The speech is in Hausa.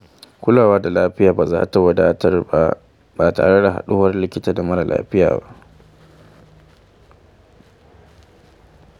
Kulawa da lafiya baza ta wadatar ba, ba tare da haɗuwar likita da mara lafiya.